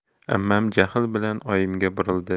ammam jahl bilan oyimga burildi